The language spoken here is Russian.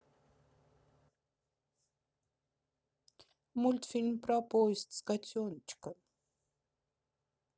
мультфильм про поезд с котеночком